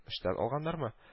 Эштән алганнармы